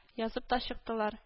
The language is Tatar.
Язып та чыктылар